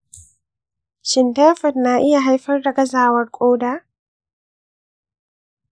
shin typhoid na iya haifar da gazawar ƙoda?